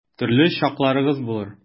Төрле чакларыгыз булыр.